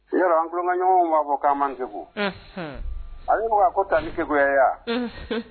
I an tulomaɲɔgɔnw b'a fɔ k' man segu a ɲɔgɔn ko taa ni seguya